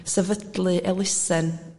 sefydlu elusen